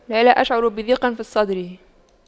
لا لا أشعر بضيق في الصدر